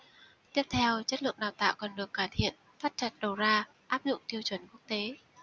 tiếp theo chất lượng đào tạo cần được cải thiện thắt chặt đầu ra áp dụng tiêu chuẩn quốc tế